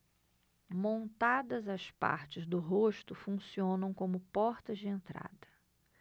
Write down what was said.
montadas as partes do rosto funcionam como portas de entrada